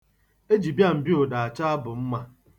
E ji bịambịaụda achọ abụ mma.